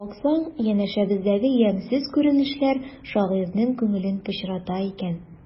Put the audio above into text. Баксаң, янәшәбездәге ямьсез күренешләр шагыйрьнең күңелен пычрата икән.